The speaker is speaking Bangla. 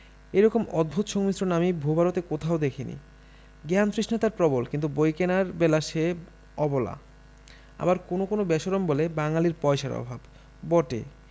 এরকম অদ্ভুত সংমিশ্রণ আমি ভূ ভারতে কোথাও দেখি নি জ্ঞানতৃষ্ণা তার প্রবল কিন্তু বই কেনার বেলা সে অবলা আবার কোনো কোনো বেশরম বলে বাঙালীর পয়সার অভাব বটে